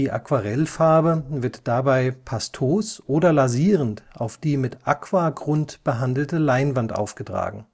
Aquarellfarbe wird dabei pastos oder lasierend auf die mit Aqua-Grund behandelte Leinwand aufgetragen